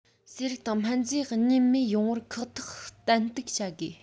ཟས རིགས དང སྨན རྫས ཉེན མེད ཡོང བར ཁག ཐེག ཏན ཏིག བྱ དགོས